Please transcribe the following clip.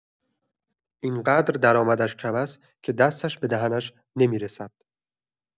این‌قدر درآمدش کم است که دستش به دهنش نمی‌رسد.